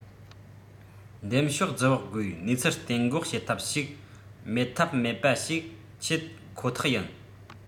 འདེམས ཤོག རྫུ བག སྒོས གནས ཚུལ གཏན འགོག བྱེད ཐབས ཤིག མེད ཐབས མེད པ ཞིག ཆེད ཁོ ཐག ཡིན